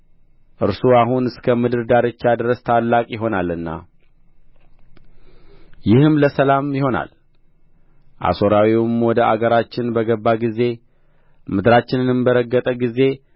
እርሱ አሁን እስከ ምድር ዳርቻ ድረስ ታላቅ ይሆናልና ይህም ለሰላም ይሆናል አሦራዊውም ወደ አገራችን በገባ ጊዜ ምድራችንንም በረገጠ ጊዜ